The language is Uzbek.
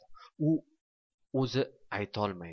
u o'zi aytolmaydi